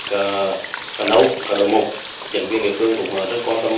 cờ no cờ no mục chính quyền địa phương cũng rất quan tâm